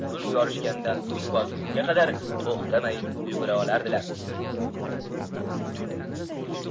kun yorishgandan kun botgunga qadar to'xtamay yugura olardilar